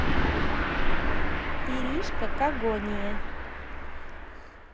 иришка когония